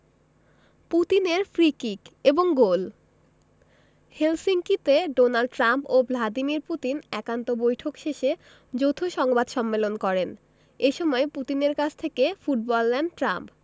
পুতিনের free kick এবং goal হেলসিঙ্কিতে ডোনাল্ড ট্রাম্প ও ভ্লাদিমির পুতিন একান্ত বৈঠক শেষে যৌথ সংবাদ সম্মেলন করেন এ সময় পুতিনের কাছ থেকে ফুটবল নেন ট্রাম্প